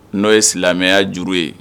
N'o ye silamɛya juru ye